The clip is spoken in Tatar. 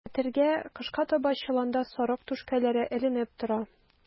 Хәтердә, кышка таба чоланда сарык түшкәләре эленеп тора.